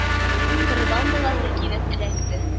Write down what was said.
Корбан баласы килеп эләкте